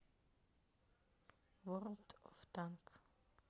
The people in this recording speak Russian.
ворлд оф танк